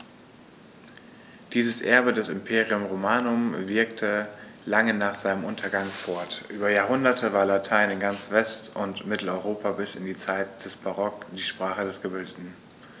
Dieses Erbe des Imperium Romanum wirkte lange nach seinem Untergang fort: Über Jahrhunderte war Latein in ganz West- und Mitteleuropa bis in die Zeit des Barock die Sprache der Gebildeten.